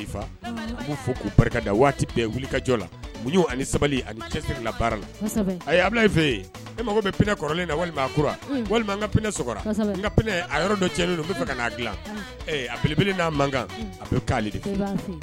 Fo k' barika da waati bɛɛjɔ sabali cɛ baara la a a fɛ e mago bɛ pinɛ kɔrɔlen na walima akura walima n ka n a yɔrɔ don cɛlen bɛ fɛ'a dila aeleb n'a man k'